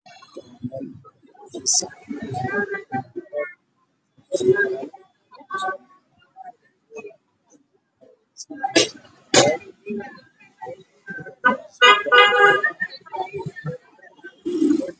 Meeshaan waa qol yaalaan tv iyo qalab looga jimicsado